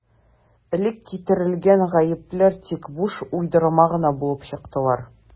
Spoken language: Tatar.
Элек китерелгән «гаепләр» тик буш уйдырма гына булып чыктылар.